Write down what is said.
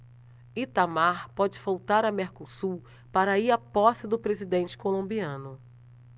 itamar pode faltar a mercosul para ir à posse do presidente colombiano